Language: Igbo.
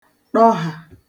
ṭọhà